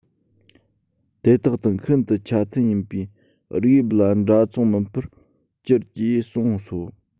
དེ དག དང ཤིན ཏུ ཆ མཐུན ཡིན པའི རིགས དབྱིབས ལ འདྲ མཚུངས མིན པར གྱུར ཅེས གསུངས སོ